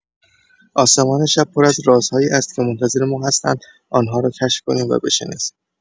آسمان شب پر از رازهایی است که منتظر ما هستند آن‌ها را کشف کنیم و بشناسیم.